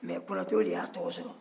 nka konatɛw de y'a tɔgɔ sɔrɔ